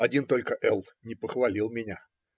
Один только Л. не похвалил меня.